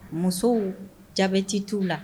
Musow ja tɛ tu la